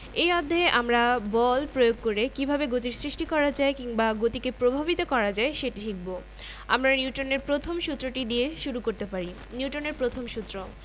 ভরবেগ এবং সংঘর্ষ ব্যাখ্যা করতে পারব গতির উপর বলের প্রভাব বিশ্লেষণ করতে পারব নিউটনের গতির দ্বিতীয় সূত্র ব্যবহার করে বল পরিমাপ করতে পারব নিউটনের গতির তৃতীয় সূত্র ব্যবহার করে ক্রিয়া ও প্রতিক্রিয়া বল ব্যাখ্যা করতে পারব